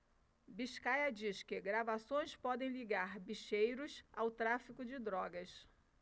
biscaia diz que gravações podem ligar bicheiros ao tráfico de drogas